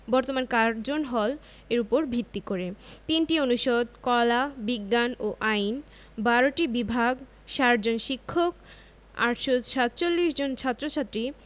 বর্তমান Curzon Hall উপর ভিত্তি করে ৩টি অনুষদ কলা বিজ্ঞান ও আইন ১২টি বিভাগ ৬০ জন শিক্ষক ৮৪৭ জন ছাত্র ছাত্রী